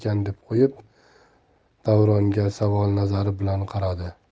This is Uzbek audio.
deb qo'yib davronga savol nazari bilan qaradi